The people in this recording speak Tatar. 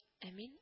Ә мин